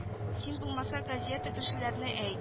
Син булмаса газета кешеләренә әйт